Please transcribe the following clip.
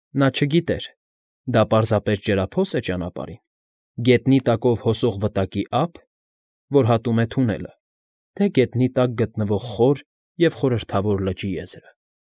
Նա չգիտեր, դա պարզապես ջրափո՞ս է ճանապարհին, գետնի տակով հոսող վտակի ա՞փ, որ հատում է թունելը, թե՞ գետնի տակ գտնվող խոր ու խորհրդավոր լճի եզրը։